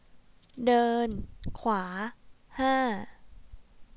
เดินขวาห้า